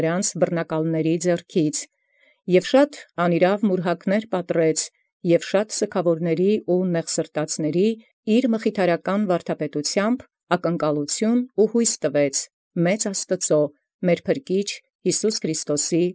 Եւ բազում մուրհակս անիրաւութեան պատառեաց, և բազում սգաւորաց և կարճամտելոց՝ մխիթարական վարդապետութեամբն զակնկալութիւն յուսոյն ըստ յայտնութեան փառաց մեծին Աստուծոյ փրկչին մերոյ Յիսուսի Քրիստոսի։